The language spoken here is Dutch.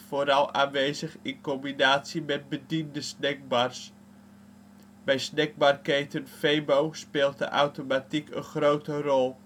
vooral aanwezig in combinatie met bediende snackbars. Bij snackbarketen Febo speelt de automatiek een grote rol